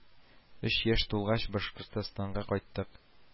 Өч яшь тулгач, Башкортстанга кайттык